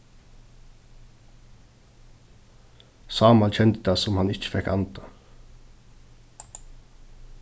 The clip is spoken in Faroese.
sámal kendi tað sum hann ikki fekk andað